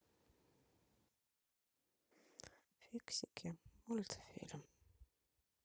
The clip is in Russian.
фиксики мультфильм